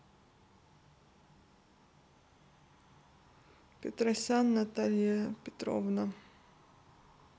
петросян наталья петровна